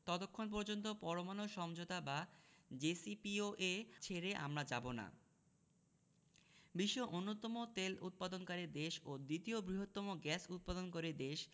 ততক্ষণ পর্যন্ত পরমাণু সমঝোতা বা জেসিপিওএ ছেড়ে আমরা যাব না বিশ্বের অন্যতম তেল উৎপাদনকারী দেশ ও দ্বিতীয় বৃহত্তম গ্যাস উৎপাদনকারী দেশ